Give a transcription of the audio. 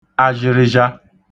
azịrịza